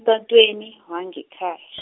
emtatweni, wangekhaya .